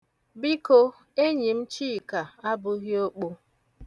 Biko, enyi m, Chika, abụghị okpo.